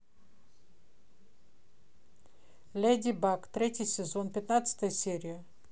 леди баг третий сезон пятнадцатая серия